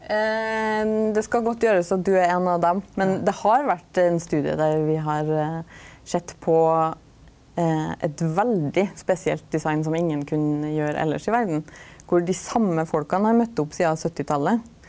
det skal godt gjerast at du er ein av dei, men det har vore ein studie der vi har sett på eit veldig spesielt design som ingen kunne gjera elles i verda kor dei same folka har møtt opp sia syttitalet.